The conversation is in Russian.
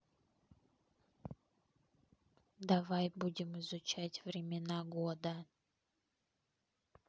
давай будем изучать времена года